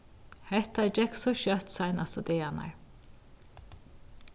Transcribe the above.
hetta gekk so skjótt seinastu dagarnar